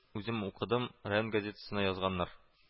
Үзем укыдым, район газетасына язганнар